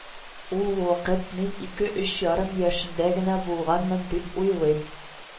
Ул вакыт мин ике-өч ярым яшендә генә булганмын дип уйлыйм